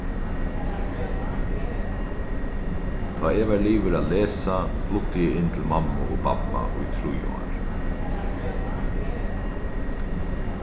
tá eg var liðugur at lesa flutti eg inn til mammu og babba í trý ár